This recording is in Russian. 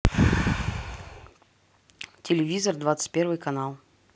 телевизор двадцать первый канал